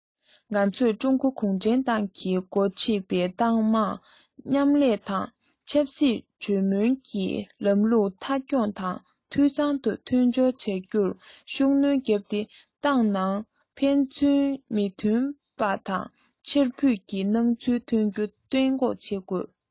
ང ཚོས ཀྲུང གོ གུང ཁྲན ཏང གིས འགོ ཁྲིད པའི ཏང མང མཉམ ལས དང ཆབ སྲིད གྲོས མོལ གྱི ལམ ལུགས མཐའ འཁྱོངས དང འཐུས ཚང དུ མཐུན སྦྱོར བྱ རྒྱུར ཤུགས སྣོན བརྒྱབ སྟེ ཏང ནང ཕན ཚུན མི མཐུན པ དང ཕྱིར འབུད ཀྱི སྣང ཚུལ ཐོན རྒྱུ གཏན འགོག བྱེད དགོས